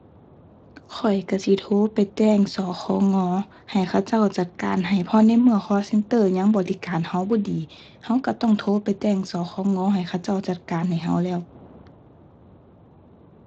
ข้อยก็สิโทรไปแจ้ง ศคง. ให้เขาเจ้าจัดการให้ เพราะในเมื่อ call center ยังบริการก็บ่ดี ก็ก็ต้องโทรไปแจ้ง ศคง. ให้เขาเจ้าจัดการให้ก็แล้ว